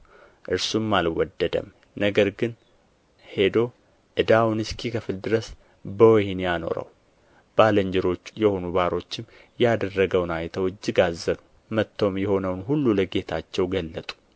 እርሱም አልወደደም ግን ሄዶ ዕዳውን እስኪከፍል ድረስ በወኅኒ አኖረው ባልንጀሮቹ የሆኑ ባሮችም ያደረገውን አይተው እጅግ አዘኑ መጥተውም የሆነውን ሁሉ ለጌታቸው ገለጡ